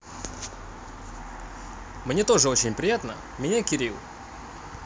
мне тоже очень приятно меня кирилл